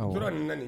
Awɔ a tora nin na ni